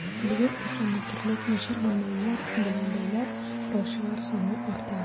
Бүген исламны төрле начар гамәлләр белән бәйләп караучылар саны арта.